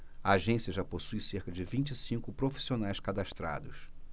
a agência já possui cerca de vinte e cinco profissionais cadastrados